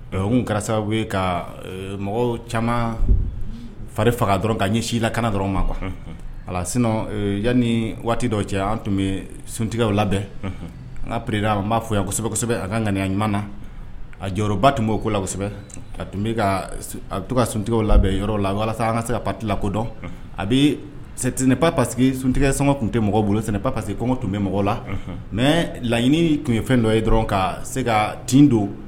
Karisa ka mɔgɔw caman fari faga dɔrɔn ka ɲɛ si la kana dɔrɔn ma kuwa sin yan ni waati dɔw cɛ an tun bɛ suntigiw labɛn n kaa pere n b'a fɔ yansɛbɛsɛbɛ a ka ŋaniyan ɲuman na a jɔyɔrɔba tun b'o ko lasɛbɛ ka tun bɛ a to ka suntigiw labɛn yɔrɔ la walasa ala an ka se ka patila kodɔn a bɛt pa pa sunjatatigɛ sangɔ tun tɛ mɔgɔ bolo sen pa que kɔngɔ tun bɛ mɔgɔw la mɛ laɲiniini tun ye fɛn dɔ ye dɔrɔn ka se ka tin don